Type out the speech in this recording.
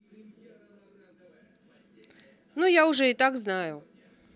ну я уже и так знаю